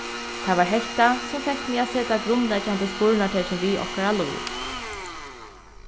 tað var hetta sum fekk meg at seta grundleggjandi spurnartekin við okkara lív